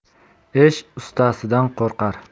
ish ustasidan qo'rqar